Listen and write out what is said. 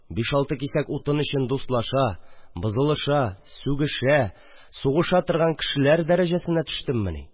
Биш-алты кисәк утын өчен дустлаша, бозылыша, сүгешә, сугыша торган кешеләр дәрәҗәсенә төштеммени?